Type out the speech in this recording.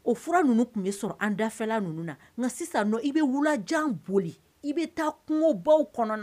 O fura ninnu tun bɛ sɔrɔ an dafɛla ninnu na nka sisan i bɛ wulajan boli i bɛ taa kungo baw kɔnɔ